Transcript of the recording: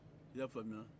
i y'a faamuya